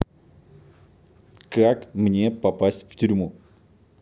как мне попасть в тюрьму